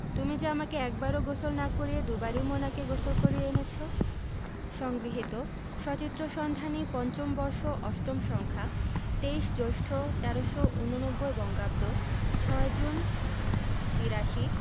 তুমি যে আমাকে একবারও গোসল না করিয়ে দুবারই মোনাকে গোসল করিয়ে এনেছো সংগৃহীত সচিত্র সন্ধানী৫ম বর্ষ ৮ম সংখ্যা ২৩ জ্যৈষ্ঠ ১৩৮৯ বঙ্গাব্দ ৬ জুন ৮২